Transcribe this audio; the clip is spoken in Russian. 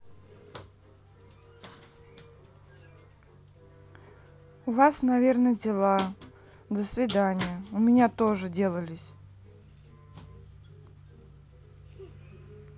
у вас наверное дела до свидания у меня тоже делались